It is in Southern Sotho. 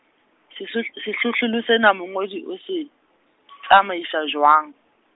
sehlohl-, sehlohlolo sena, mongodi o se tsamaisa jwang?